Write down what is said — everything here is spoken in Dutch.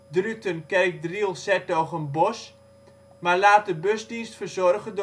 Druten-Kerkdriel -' s-Hertogenbosch), maar laat de busdienst verzorgen